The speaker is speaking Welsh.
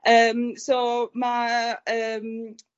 yym so ma' yy yym